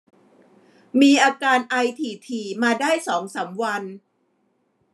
มีอาการไอถี่ถี่มาได้สองสามวัน